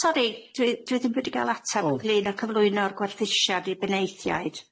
Sori dwi dwi dwi ddim wedi ga'l atab... O ...ynglŷn â cyflwyno'r gwerthusiad i'r penaethiaid.